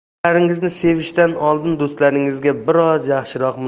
dushmanlaringizni sevishdan oldin do'stlaringizga biroz yaxshiroq